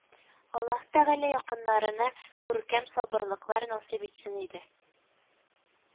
Аллаһы Тәгалә якыннарына күркәм сабырлыклар насыйп итсен иде